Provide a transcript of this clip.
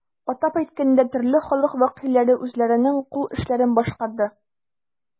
Атап әйткәндә, төрле халык вәкилләре үзләренең кул эшләрен башкарды.